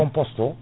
composte o